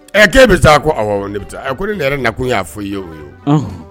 Ɛ k'o e bɛ taa ko awɔ ne bɛ taa ko ne yɛrɛ nakun y'a f'i ye o ye o.